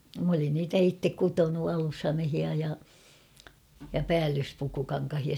minä olin niitä itse kutonut alushameita ja ja päällyspukukankaita